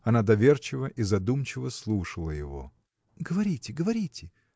Она доверчиво и задумчиво слушала его. – Говорите, говорите.